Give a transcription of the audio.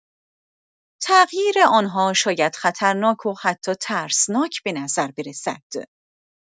تغییر آن‌ها شاید خطرناک و حتی ترسناک به نظر برسد.